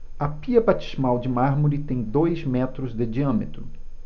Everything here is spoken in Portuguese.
a pia batismal de mármore tem dois metros de diâmetro